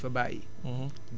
ñoom du ñu jël lépp